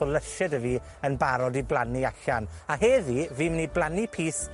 o lysie 'dyn ni,i yn barod i blannu allan. A heddi fi myn' i blannu pys